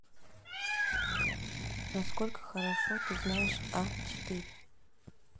насколько хорошо ты знаешь а четыре